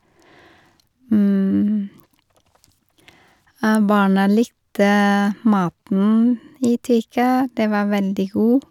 Barna likte maten i Tyrkia, det var veldig god.